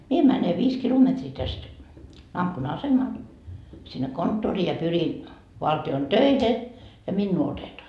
minä menen viisi kilometriä tästä asemalle sinne konttoriin ja pyrin valtion töihin ja minua otetaan